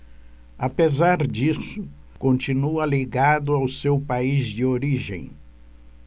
apesar disso continua ligado ao seu país de origem